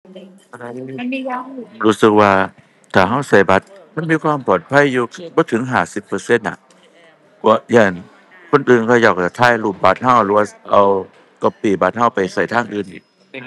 รู้สึกว่า ถ้าเราเราบัตร มันมีความปลอดภัยอยู่บ่ถึงห้าสิบเปอร์เซ็นต์น่ะ กลัว ย้าน คนอื่นเขาเจ้าเราถ่ายรูปบัตรเราหรือว่า เอา copy บัตรเราไปเราทางอื่นอีก